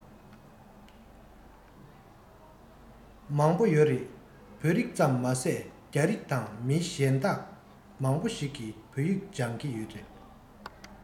མང པོ ཡོད རེད བོད རིགས ཙམ མ ཟད རྒྱ རིགས དང མི རིགས གཞན དག མང པོ ཞིག གིས བོད ཡིག སྦྱང གི ཡོད རེད